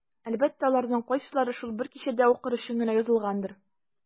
Әлбәттә, аларның кайсылары шул бер кичәдә укыр өчен генә язылгандыр.